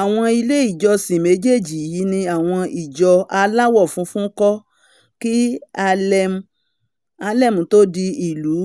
Àwọn ilé ìjọsìn méjeejì yìí ni àwọn ìjọ alawọ funfun kọ kí Harlem tó di ìlú